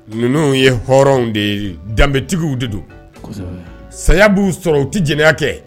Ninnu ye hɔrɔnw de ye danbebetigiww de don saya b'u sɔrɔ u tɛ jɛnɛ kɛ